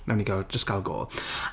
Wnewn ni gael... jyst gael go.